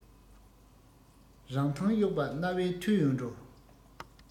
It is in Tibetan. ར ཐང གཡོགས པ རྣ བས ཐོས ཡོད འགྲོ